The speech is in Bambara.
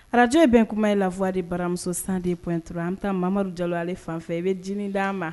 Arajo ye bɛn kuma ye lafwadi baramuso san de ptu an bɛ taamadu ja ale fanfɛ i bɛ di di an ma